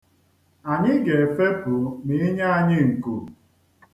Anyị ga-efepu ma ị nye anyị nku. (literary)